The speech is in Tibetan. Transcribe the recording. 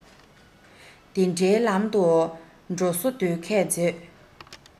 དེ འདྲའི ལམ དུ འགྲོ བཟོ སྡོད མཁས མཛོད